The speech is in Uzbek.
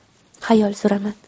xayol suraman